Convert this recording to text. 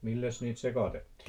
milläs niitä sekoitettiin